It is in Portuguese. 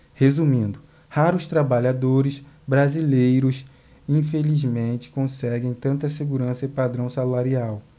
resumindo raros trabalhadores brasileiros infelizmente conseguem tanta segurança e padrão salarial